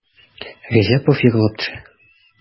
Рәҗәпов егылып төшә.